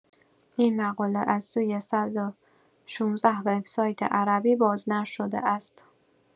این مقاله از سوی ۱۱۶ وبسایت عربی بازنشر شده است.